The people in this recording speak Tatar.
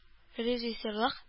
Режисерлык